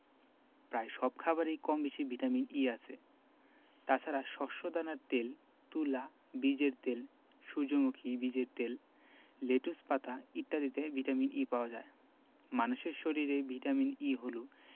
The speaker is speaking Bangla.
প্রায় সব খাবারেই কমবেশি ভিটামিন E আছে তাছাড়া শস্যদানার তেল তুলা বীজের তেল সূর্যমুখী বীজের তেল লেটুস পাতা ইত্যাদিতে ভিটামিন E পাওয়া যায় মানুষের শরীরে ভিটামিন E হলো